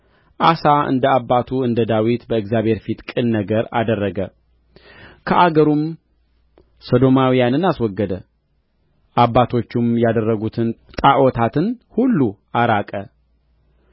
አሳ እንደ አባቱ እንደ ዳዊት በእግዚአብሔር ፊት ቅን ነገር አደረገ ከአገሩም ሰዶማውያንን አስወገደ አባቶቹም ያደረጉትን ጣዖታትን ሁሉ አራቀ